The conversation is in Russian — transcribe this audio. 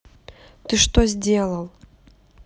ты что сделал